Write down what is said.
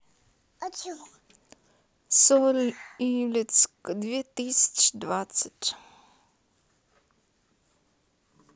соль илецк две тысячи двадцать